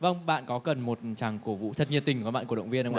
vâng bạn có cần một tràng cổ vũ rất thật nhiệt tình của bạn cổ động viên không ạ